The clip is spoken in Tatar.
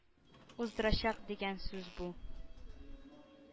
Уздырачак дигән сүз бу.